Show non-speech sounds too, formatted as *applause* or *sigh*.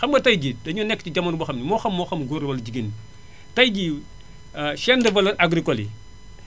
xam nga tay jii dañoo nekk si jamono boo xam ne moo xam moo xam góor la wala jigéen la tay jii *hesitation* chaine *noise* de valeur agricole yi